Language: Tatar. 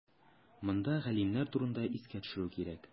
Монда галимнәр турында искә төшерү кирәк.